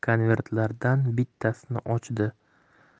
konvertlardan bittasini ochdi